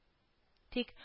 Тик